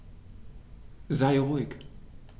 Sei ruhig.